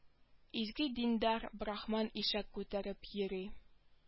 Изге диндар брахман ишәк күтәреп йөри